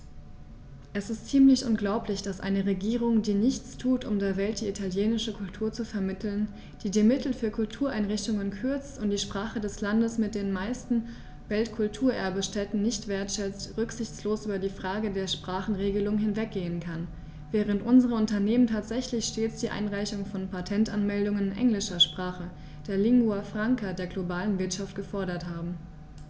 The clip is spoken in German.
Es ist ziemlich unglaublich, dass eine Regierung, die nichts tut, um der Welt die italienische Kultur zu vermitteln, die die Mittel für Kultureinrichtungen kürzt und die Sprache des Landes mit den meisten Weltkulturerbe-Stätten nicht wertschätzt, rücksichtslos über die Frage der Sprachenregelung hinweggehen kann, während unsere Unternehmen tatsächlich stets die Einreichung von Patentanmeldungen in englischer Sprache, der Lingua Franca der globalen Wirtschaft, gefordert haben.